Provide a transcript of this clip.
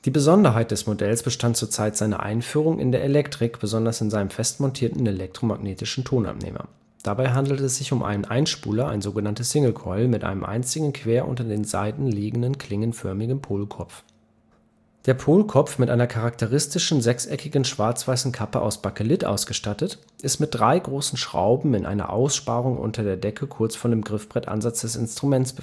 Besonderheit des Modells bestand zur Zeit seiner Einführung in der Elektrik, besonders in seinem fest montierten elektromagnetischen Tonabnehmer. Dabei handelt es sich um einen Einzelspuler (Single Coil) mit einem einzigen, quer unter den Saiten liegenden, klingenförmigen Polkopf (Bar Pickup). Der Polkopf, mit einer charakteristischen sechseckigen schwarzweißen Kappe aus Bakelit ausgestattet, ist mit drei großen Schrauben in einer Aussparung in der Decke kurz vor dem Griffbrettansatz des Instruments